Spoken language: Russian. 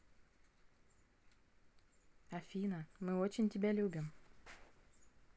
афина мы очень тебя любим